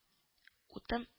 Утын